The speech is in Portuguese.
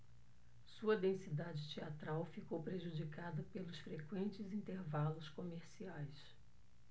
sua densidade teatral ficou prejudicada pelos frequentes intervalos comerciais